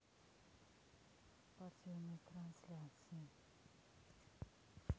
спортивные трансляции